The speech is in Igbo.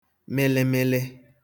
mịlịmịlị